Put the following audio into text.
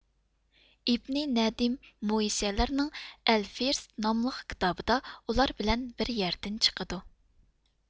ئىبنى نەدىيم مۇ شىئەلەرنىڭ ئەلفىھرىست ناملىق كىتابىدا ئۇلار بىلەن بىر يەردىن چىقىدۇ